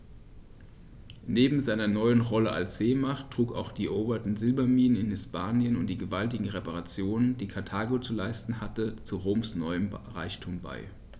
Neben seiner neuen Rolle als Seemacht trugen auch die eroberten Silberminen in Hispanien und die gewaltigen Reparationen, die Karthago zu leisten hatte, zu Roms neuem Reichtum bei.